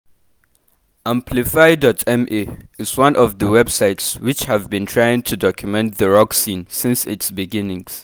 Amplify.ma is one of the websites which have been trying to document the rock scene since its beginnings.